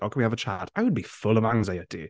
Oh, can we have a chat? I would be full of anxiety.